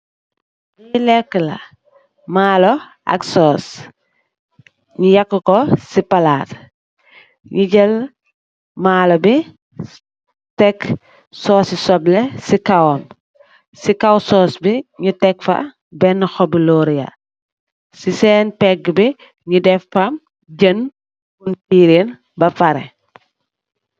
Li leka la maalo ak soos nyu yeka ko si palat nyu jeel maalo bi teck soosi suple si kawam si kaw soos bi nyu teck fa bena hoopi loriya si sen pega bi nyu def fa jeen bunn ferer ba pareh.